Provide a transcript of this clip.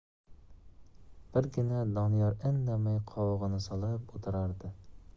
birgina doniyor indamay qovog'ini solib o'tirardi